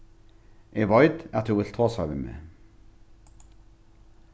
eg veit at tú vilt tosa við meg